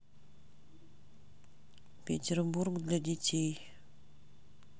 петербург для детей